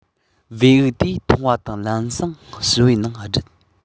བེའུ དེ མཐོང བ དང ལམ སེང ཕྱུ པའི ནང སྒྲིལ